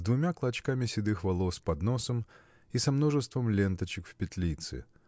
с двумя клочками седых волос под носом и со множеством ленточек в петлице.